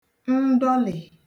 ndọlị̀